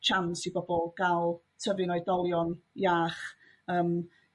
chans i bobol ga'l tyfu'n oedolion iach yym